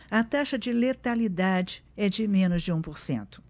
a taxa de letalidade é de menos de um por cento